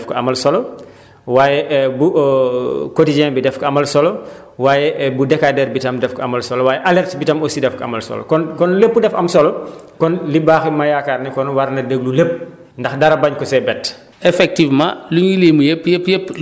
ndax comme ni nga ko waxee prévision saisonnière bi daf ko amal solo waaye bu quotidien bi daf ko amal solo waaye bu décadaire bi tam daf ko amal solo waaye alerte bi tam daf ko amal solo ko kon lépp dafa am solo ko li baax rek ma yaakaar ne kon war na déglu lépp ndax dara bañ ko see bett